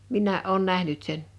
minäkin olen nähnyt sen